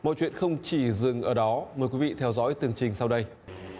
mọi chuyện không chỉ dừng ở đó mời quý vị theo dõi tường trình sau đây